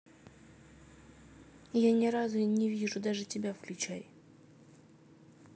я не разу не вижу даже тебя включай